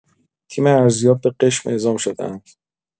تیم ارزیاب به قشم اعزام شده‌اند.